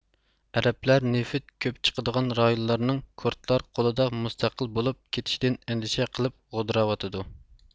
ئەرەپلەر نېفىت كۆپ چىقىدىغان رايونلارنىڭ كۇرتلار قولىدا مۇستەقىل بولۇپ كېتىشىدىن ئەندىشە قىلىپ غودراۋاتىدۇ